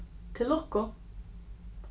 til lukku